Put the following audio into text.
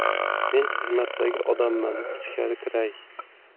men xizmatdagi odamman ichkari kiray